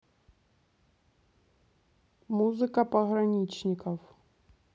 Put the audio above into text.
музыка пограничников